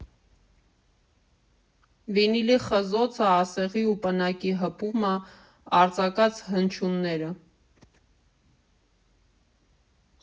Վինիլի խզոցը, ասեղի ու պնակի հպումը, արձակած հնչյունները…